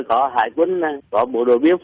có hải quân này có bộ đội biên